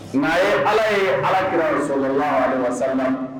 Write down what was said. Nka ye ala ye ala kura la sabanan